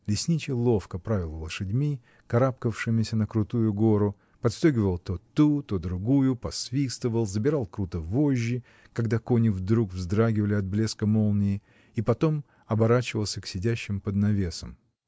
Лесничий ловко правил лошадьми, карабкавшимися на крутую гору, подстегивал то ту, то другую, посвистывал, забирал круто вожжи, когда они вдруг вздрагивали от блеска молнии, и потом оборачивался к сидящим под навесом.